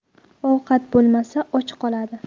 ovqati bo'lmasa och qoladi